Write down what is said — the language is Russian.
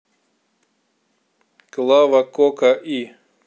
клава кока и